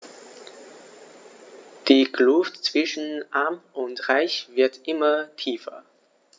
Die Kluft zwischen Arm und Reich wird immer tiefer.